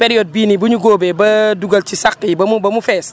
période bii nii bu ñu góobee ba dugal ci sàq yi ba mu ba mu fees